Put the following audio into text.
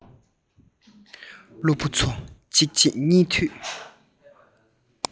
སློབ བུ ཚོ གཅིག རྗེས གཉིས མཐུད